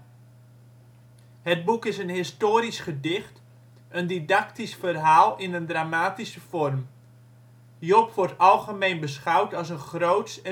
Het boek is een historisch gedicht, een didactisch verhaal in een dramatische vorm. Job wordt algemeen beschouwd als een groots